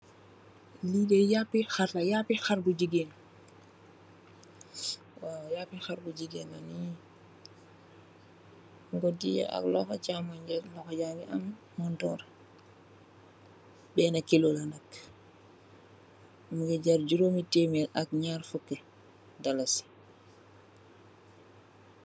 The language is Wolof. Li dey yapa la, yapii xàr bu gigeen ñing ko teyeh ak loxo camooy loxo ba'ngi am montórr. Benna kilo la nak mugii jarr jurom mi témér ak ñaari fukki dalasi.